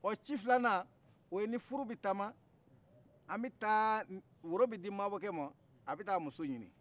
ci filanna oye ni furu be taama an bɛ taa woro bɛ di mabɔkɛ a bɛ ta muso ɲini